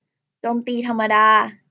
โจมตีธรรมดา